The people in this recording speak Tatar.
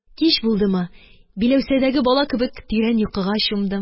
Кич булдымы, биләүсәдәге бала кебек, тирән йокыга чумдым.